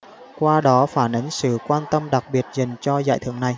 qua đó phản ánh sự quan tâm đặc biệt dành cho giải thưởng này